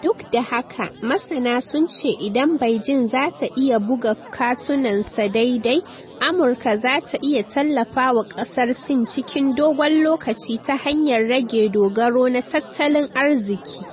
Duk da haka, masana sun ce idan Beijing za ta iya buga katunansa daidai, Amurka za ta iya tallafawa kasar Sin cikin dogon lokaci ta hanyar rage- dogaro na tattalin arziki.